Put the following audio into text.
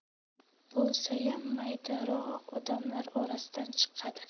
bo'lsayam maydaroq odamlar orasidan chiqadi